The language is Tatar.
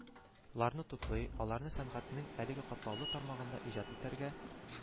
Ларны туплый, аларны сәнгатьнең әлеге катлаулы тармагында иҗат итәргә